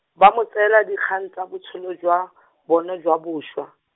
ba mo tseela dikgang tsa botshelo jwa , bona jwa bošwa.